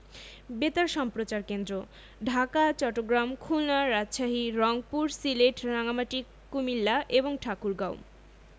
বেতার সম্প্রচার কেন্দ্রঃ ঢাকা চট্টগ্রাম খুলনা রাজশাহী রংপুর সিলেট রাঙ্গামাটি কুমিল্লা এবং ঠাকুরগাঁও